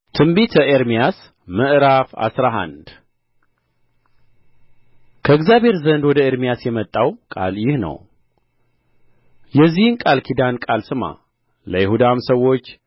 ትንቢተ ኤርምያስ ምዕራፍ አስራ አንድ ከእግዚአብሔር ዘንድ ወደ ኤርምያስ የመጣው ቃል ይህ ነው የዚህን ቃል ኪዳን ቃል ስማ ለይሁዳም ሰዎች